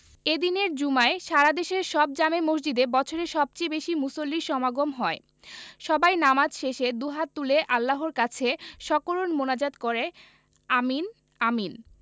এ দিনের জুমায় সারা দেশের সব জামে মসজিদে বছরের সবচেয়ে বেশি মুসল্লির সমাগম হয় সবাই নামাজ শেষে দুহাত তুলে আল্লাহর কাছে সকরুণ মোনাজাত করে আমিন আমিন